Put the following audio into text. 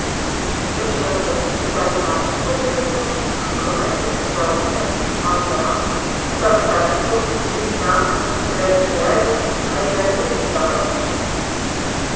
Очрашу Татарстан Республикасы Хөкүмәт Йортында узды, анда ТР финанс министры Радик Гайзатуллин да катнашты.